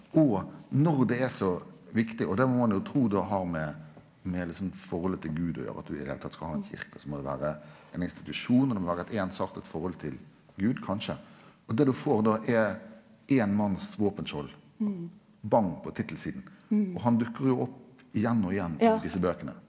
og når det er så viktig og det må ein jo tru då har med med liksom forholdet til gud og gjere at du i det heile tatt skal ha ein kyrkje så må det vere ein institusjon og det må vere eit einsarta forhold til gud kanskje og det du får då er éin manns våpenskjold bang på tittelsida og han dukkar jo opp igjen og igjen i desse bøkene.